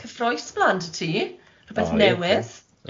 cyffrous mlan 'da ti, rywbeth newydd.